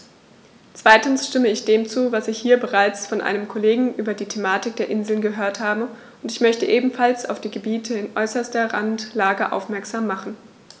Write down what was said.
Zweitens stimme ich dem zu, was ich hier bereits von einem Kollegen über die Thematik der Inseln gehört habe, und ich möchte ebenfalls auf die Gebiete in äußerster Randlage aufmerksam machen.